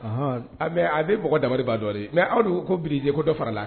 A a bɛ mɔgɔ daba dɔ dɛ mɛ aw don ko bilisijɛ ko dɔ fara la